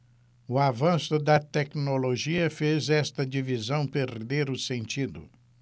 o avanço da tecnologia fez esta divisão perder o sentido